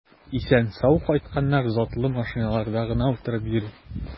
Исән-сау кайтканнар затлы машиналарда гына утырып йөри.